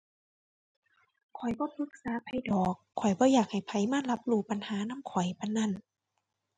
ข้อยบ่ปรึกษาไผดอก ข้อยบ่อยากให้ไผมารับรู้ปัญหานำข้อยปานนั้น